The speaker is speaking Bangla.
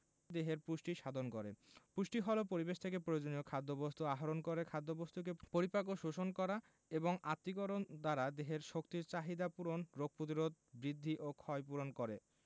দেহের পুষ্টি সাধন করে পুষ্টি হলো পরিবেশ থেকে প্রয়োজনীয় খাদ্যবস্তু আহরণ করে খাদ্যবস্তুকে পরিপাক ও শোষণ করা এবং আত্তীকরণ দ্বারা দেহের শক্তির চাহিদা পূরণ রোগ প্রতিরোধ বৃদ্ধি ও ক্ষয়পূরণ করে